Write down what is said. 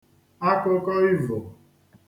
akụkọ ivò